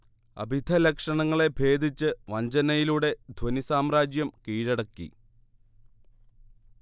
അഭിധ ലക്ഷണങ്ങളെ ഭേദിച്ച് വ്യഞ്ജനയിലൂടെ ധ്വനിസാമ്രാജ്യം കീഴടക്കി